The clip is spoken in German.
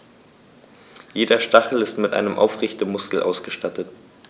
Jeder Stachel ist mit einem Aufrichtemuskel ausgestattet.